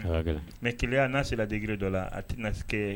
A ka gɛlɛn. Mais keya na sera degré dɔ la a ti na kɛ